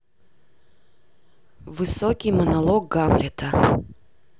высоцкий монолог гамлета